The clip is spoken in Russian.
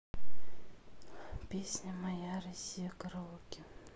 песня моя россия караоке